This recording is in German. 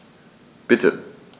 Bitte.